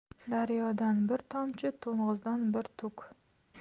daryodan bir tomchi to'ng'izdan bir tuk